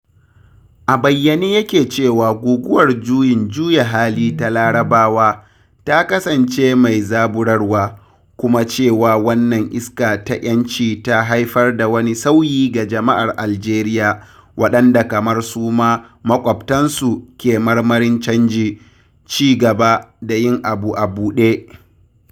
A bayyane yake cewa Guguwar Juyin Juya Hali ta Larabawa, ta kasance mai zaburarwa, kuma cewa wannan iska ta ‘yanci ta haifar da wani sauyi ga jama’ar Algeria, waɗanda, kamar suma maƙwabtansu, ke marmarin canji, cigaba, da yin abu a buɗe.